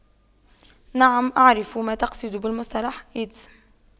نعم اعرف ما تقصد بالمصطلح أيدز